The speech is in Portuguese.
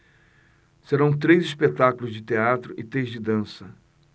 serão três espetáculos de teatro e três de dança